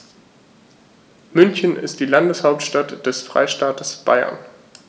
München ist die Landeshauptstadt des Freistaates Bayern.